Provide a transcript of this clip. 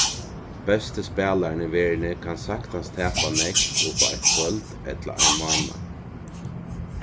besti spælarin í verðini kann saktans tapa nógv uppá eitt kvøld ella ein mánaða